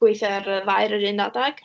Gweithio ar yy ddau ar yr un adeg.